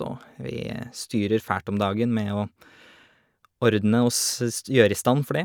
Og vi styrer fælt om dagen med å ordne og sest gjøre i stand for det.